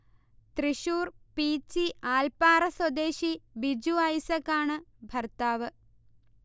തൃശൂർ പീച്ചി ആൽപ്പാറ സ്വദേശി ബിജു ഐസക് ആണ് ഭർത്താവ്